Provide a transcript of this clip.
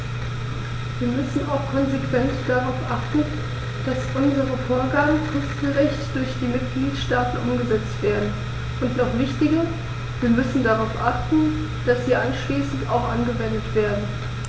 Wir müssen auch konsequent darauf achten, dass unsere Vorgaben fristgerecht durch die Mitgliedstaaten umgesetzt werden, und noch wichtiger, wir müssen darauf achten, dass sie anschließend auch angewendet werden.